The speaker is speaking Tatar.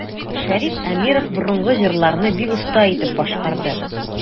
Шәриф Әмиров борынгы җырларны бик оста итеп башкарды.